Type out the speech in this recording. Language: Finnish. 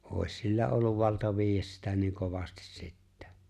olisi sillä ollut valta viedä sitä niin kovasti sitten